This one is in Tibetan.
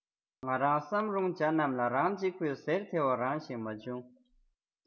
ང རང བསམ རུང བྱ རྣམས ལ རང གཅིག པོས ཟེར བདེ བ རང ཞིག མ བྱུང